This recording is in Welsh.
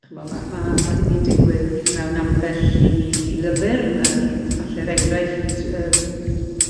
Ch'mo' ma' ma' ma' hynny'n digwydd mewn ambell i lyfyr, ma'r falle'r enghraifft yy